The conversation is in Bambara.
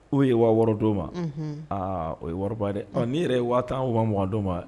U ye wadon ma aa o ye wariba dɛ n'i yɛrɛ ye waa tan wa waato ma